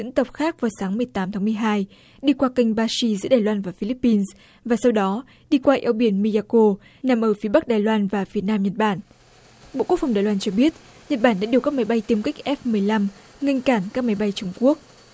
diễn tập khác vào sáng mười tám tháng mười hai đi qua kênh ba si giữa đài loan và phi líp pin và sau đó đi qua eo biển mi ya cô nằm ở phía bắc đài loan và việt nam nhật bản bộ quốc phòng đài loan cho biết nhật bản đã điều các máy bay tiêm kích f mười lăm ngăn cản các máy bay trung quốc